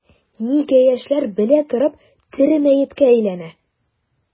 Нигә яшьләр белә торып тере мәеткә әйләнә?